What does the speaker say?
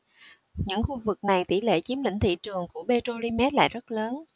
những khu vực này tỉ lệ chiếm lĩnh thị trường của petrolimex lại rất lớn